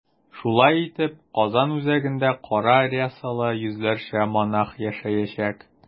Шулай итеп, Казан үзәгендә кара рясалы йөзләрчә монах яшәячәк.